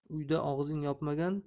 uyda og'zin yopmagan